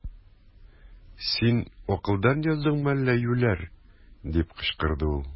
Син акылдан яздыңмы әллә, юләр! - дип кычкырды ул.